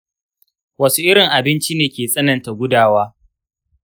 wasu irin abinci ne ke tsananta gudawa?